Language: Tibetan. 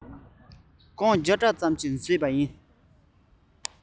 རྐང བརྒྱ ཕྲག ཙམ ཞིག བཟས པ ཡིན